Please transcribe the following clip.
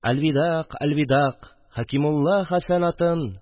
Әлвидаг, Әлвидаг Хәкимулла Хәсән атын